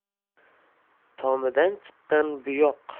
tomidan chiqqan bo'yoq